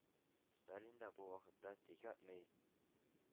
Сталин да бу вакытта тик ятмый,